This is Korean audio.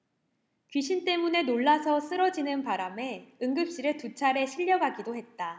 귀신 때문에 놀라서 쓰러지는 바람에 응급실에 두 차례 실려가기도 했다